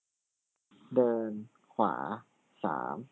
เดินขวาสาม